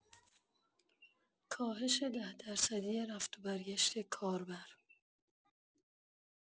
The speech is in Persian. کاهش ۱۰ درصدی رفت و برگشت کاربر